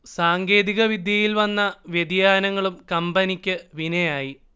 സാങ്കേതിക വിദ്യയിൽ വന്ന വ്യതിയാനങ്ങളും കമ്പനിക്ക് വിനയായി